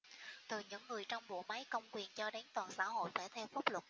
từ những người trong bộ máy công quyền cho đến toàn xã hội phải theo pháp luật